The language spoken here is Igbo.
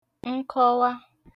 nkọwa